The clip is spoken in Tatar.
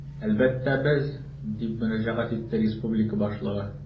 Әлбәттә, без, - дип мөрәҗәгать итте республика башлыгы.